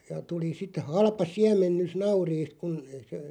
ja tuli sitten halpa siemennys nauriista kun se